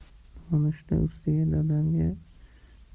nonushta ustida dadamga